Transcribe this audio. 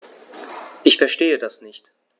Ich verstehe das nicht.